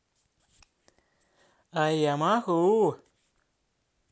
а я могу